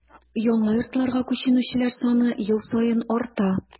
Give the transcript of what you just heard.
Яңа йортларга күченүчеләр саны ел саен арта.